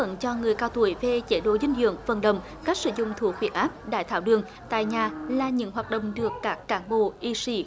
vấn cho người cao tuổi về chế độ dinh dưỡng phường đầm cách sử dụng thuốc huyết áp đái tháo đường tại nhà là những hoạt động được các cán bộ y sĩ